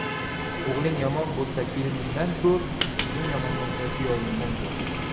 o'g'ling yomon bo'lsa keliningdan ko'r qizing yomon bo'lsa kuyovingdan ko'r